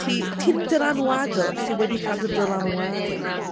Ti ti'n dylanwadwr sydd wedi cael dy dylanwadu.